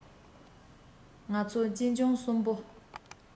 ང ཚོ གཅེན གཅུང གསུམ པོ